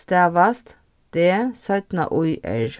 stavast d ý r